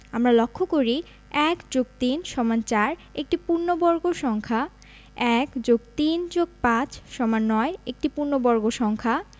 আমরা লক্ষ করি ১+৩=৪ একটি পূর্ণবর্গ সংখ্যা ১+৩+৫=৯ একটি পূর্ণবর্গ সংখ্যা